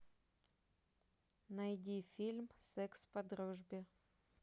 найди фильм секс по дружбе